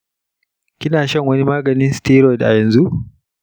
kina shan wani maganin steroid a yanzu?